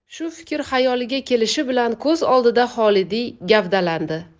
shu fikr xayoliga kelishi bilan ko'z oldida xolidiy gavdalandi